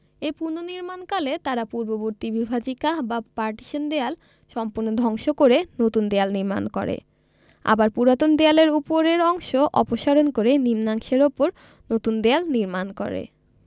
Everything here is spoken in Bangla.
এ পুনর্নির্মাণকালে তারা পূর্ববর্তী বিভাজিকা বা পার্টিশন দেয়াল সম্পূর্ণ ধ্বংস করে নতুন দেয়াল নির্মাণ করে আবার পুরাতন দেয়ালের উপরের অংশ অপসারণ করে নিম্নাংশের উপর নতুন দেয়াল নির্মাণ করে